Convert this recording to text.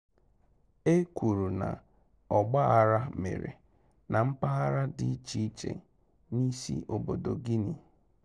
E kwuru na ọgbaghara mere na mpaghara dị iche iche n'isi obodo Guinea.